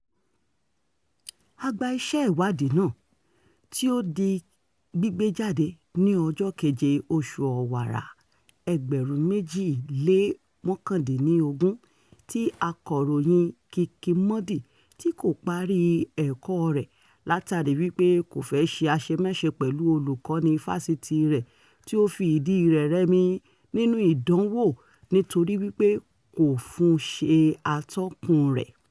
Àgbà iṣẹ́ ìwádìí náà, tí ó di gbígbé jáde ní ọjọ́ kéje oṣù Ọ̀wàrà 2019, tí akọ̀ròyin Kiki Mordi tí kò parí ẹ̀kọ́ọ rẹ̀ látàríi wípé kò fẹ́ ṣe àṣemáṣe pẹ̀lú olùkọ́ní ifásitì rẹ̀ tí ó ń fi ìdíi rẹ̀ rẹmi nínú ìdánwò nítorí wípé kò fún un ṣe ṣe atọ́kùn-un rẹ̀: